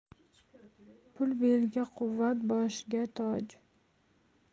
pul belga quvvat boshga toj